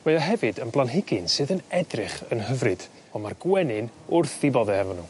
Mae o hefyd yn blanhigyn sydd yn edrych yn hyfryd on' ma'r gwenyn wrth 'u bodde hefo n'w.